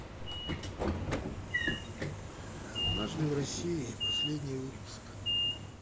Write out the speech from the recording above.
однажды в россии последний выпуск